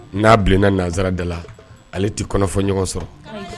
N'a bilenna nanzsara da la ale tɛfɔ ɲɔgɔn sɔrɔ